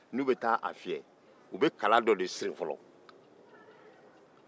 n'u bɛ taa a fiyɛ u bɛ kala dɔ de siri fɔlɔ